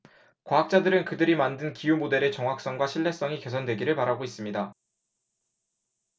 과학자들은 그들이 만든 기후 모델의 정확성과 신뢰성이 개선되기를 바라고 있습니다